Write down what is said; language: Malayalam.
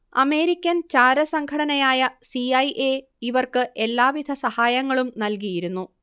അമേരിക്കൻ ചാരസംഘടനയായ സി ഐ എ ഇവർക്ക് എല്ലാവിധ സഹായങ്ങളും നൽകിയിരുന്നു